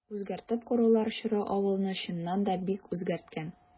Үзгәртеп корулар чоры авылны, чыннан да, бик үзгәрткән.